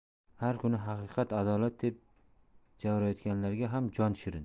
har kuni haqiqat adolat deb javrayotganlarga ham jon shirin